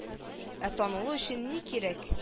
Ә танылу өчен ни кирәк